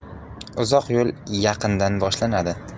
uzoq yo'l yaqindan boshlanadi